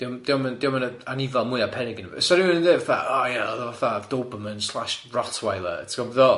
Dio- dio'm yn dio'm yn y anifail mwya peryg eniwe- Sa rhywun yn deud fatha o ia oedd o fatha doberman slash rottweiler ti gwbo be dwi feddwl?